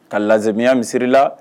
Ka sameya misisiriri la